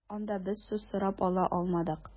Анда без сүз сорап ала алмадык.